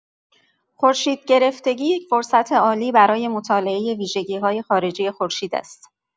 خورشیدگرفتگی یک فرصت عالی برای مطالعه ویژگی‌های خارجی خورشید است.